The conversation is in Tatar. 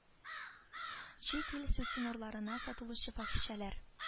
Чит ил сутенерларына сатылучы фахишәләр